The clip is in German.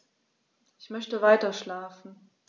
Ich möchte weiterschlafen.